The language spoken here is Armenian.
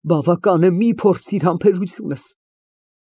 Բավական է, մի փորձիր համբերությունս։